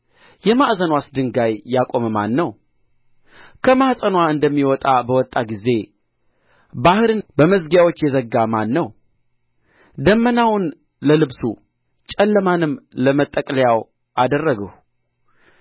የማዕዘንዋንስ ድንጋይ ያቆመ ማን ነው ከማኅፀን እንደሚወጣ በወጣ ጊዜ ባሕርን በመዝጊያዎች የዘጋ ማን ነው ደመናውን ለልብሱ ጨለማንም ለመጠቅለያው አደረግሁ